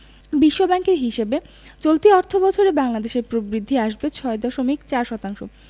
বিশ্বব্যাংকের হিসাবে চলতি অর্থবছরে বাংলাদেশের প্রবৃদ্ধি আসবে ৬.৪ শতাংশ